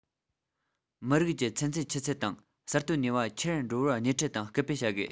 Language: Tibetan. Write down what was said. མི རིགས ཀྱི ཚན རྩལ ཆུ ཚད དང གསར གཏོད ནུས པ ཆེར འགྲོ བར སྣེ ཁྲིད དང སྐུལ སྤེལ བྱ དགོས